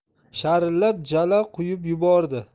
sharillab jala quyib yubordi